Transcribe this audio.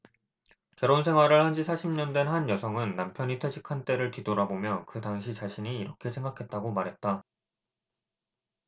결혼 생활을 한 지 사십 년 된 한 여성은 남편이 퇴직한 때를 뒤돌아보며 그 당시 자신이 이렇게 생각했다고 말했다